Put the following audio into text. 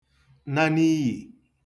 na n'iyì